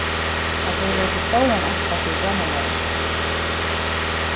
at tey vera til stóran ampa fyri grannalagið